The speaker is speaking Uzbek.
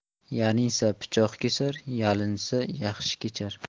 yanisa pichoq kesar yalinsa yaxshi kechar